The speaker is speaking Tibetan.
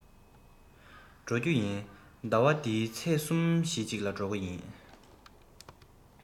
འགྲོ རྒྱུ ཡིན ཟླ བ འདིའི ཚེས གསུམ བཞི ཅིག ལ འགྲོ གི ཡིན